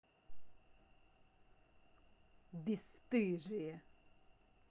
бесстыжие